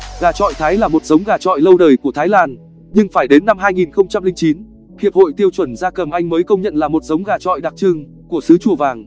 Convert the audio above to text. gà chọi thái là một giống gà chọi lâu đời của thái lan nhưng phải đến năm hiệp hội tiêu chuẩn gia cầm anh mới công nhận là một giống gà chọi đặc trưng của xứ chùa vàng